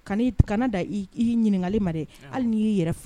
Ka' kana da i'i ɲininkakali mara hali n'i'i yɛrɛ